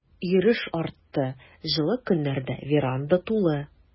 Йөреш артты, җылы көннәрдә веранда тулы.